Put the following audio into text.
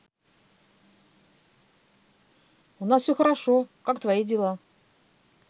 у нас все хорошо как твои дела